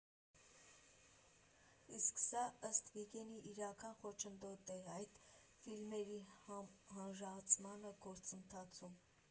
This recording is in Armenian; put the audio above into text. Իսկ սա, ըստ Վիգենի, իրական խոչընդոտ է այդ ֆիլմերի հանրայնացման գործընթացում։